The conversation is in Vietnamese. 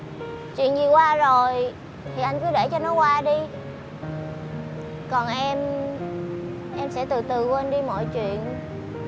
chuyện gì qua rồi thì anh cứ để cho nó qua đi còn em em sẽ từ từ quên đi mọi chuyện